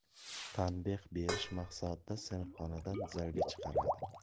tanbeh berish maqsadida sinfxonadan zalga chiqaradi